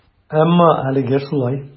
Әмма әлегә шулай.